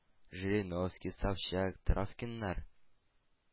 Жириновский, Собчак, Травкиннар